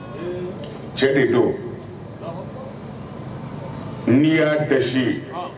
Cɛ de don n'i y' dɛsɛ ye